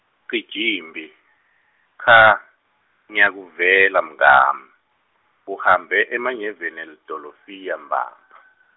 Cijimphi, cha, ngiyakuvela mngami, uhambe emanyeveni elidolofiya mbamba.